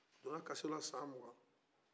a donna kasola a san mugan